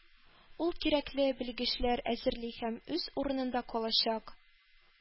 Ул кирәкле белгечләр әзерли һәм үз урынында калачак.